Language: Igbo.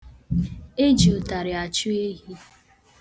Eji ụtarị achụ ehi.